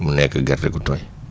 mu nekk gerte gu tooy